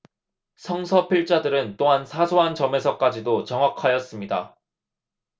성서 필자들은 또한 사소한 점에서까지도 정확하였습니다